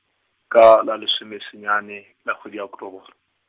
ka la lesomesenyane, la kgwedi ya Oktobore.